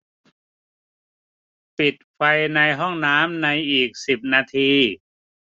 ปิดไฟในห้องน้ำในอีกสิบนาที